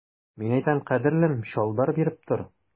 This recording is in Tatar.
Мин әйтәм, кадерлем, чалбар биреп тор.